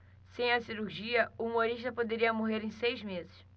sem a cirurgia humorista poderia morrer em seis meses